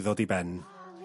...ddod i ben...